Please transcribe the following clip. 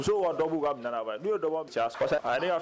Muso